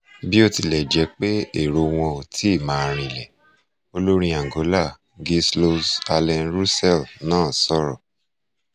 Bíótilẹ̀jẹ́pé èrò wọn ò tí ì máa rinlẹ̀, Olórin Angola, Gill Slows Allen Russell náà sọ̀rọ̀;